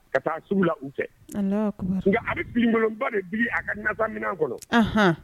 Ka taa sugu la u tɛ a bikolonba de bi a ka nata min kɔnɔ